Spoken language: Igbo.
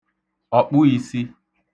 ọ̀kpụīsī